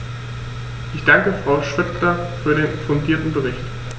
Ich danke Frau Schroedter für den fundierten Bericht.